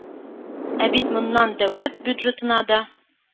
Ә бит моннан дәүләт бюджетына да,